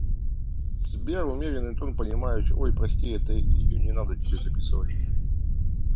сбер умеренный тон понимающий ой прости это ее не надо записывать